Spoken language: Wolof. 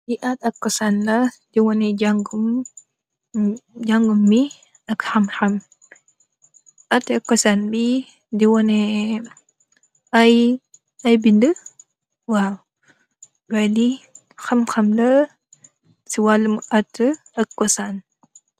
li aat ak kosaan la di wone jàngum mi ak xamxam atak kosaan bi di wone ay bind waaw loay li xam xam la ci wàllumu at ak kosaan